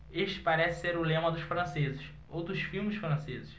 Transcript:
este parece ser o lema dos franceses ou dos filmes franceses